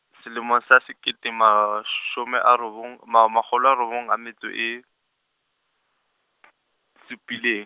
selemo sa sekete mashome a robong ma- makgolo a robong a metso e , supileng.